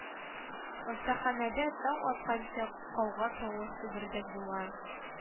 Остаханәдә таң атканчы кауга тавыш дөбердек була